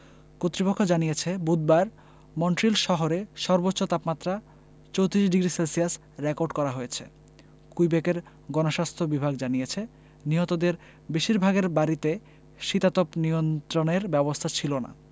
কর্তৃপক্ষ জানিয়েছে বুধবার মন্ট্রিল শহরে সর্বোচ্চ তাপমাত্রা ৩৪ ডিগ্রি সেলসিয়াস রেকর্ড করা হয়েছে কুইবেকের গণস্বাস্থ্য বিভাগ জানিয়েছে নিহতদের বেশিরভাগের বাড়িতে শীতাতপ নিয়ন্ত্রণের ব্যবস্থা ছিল না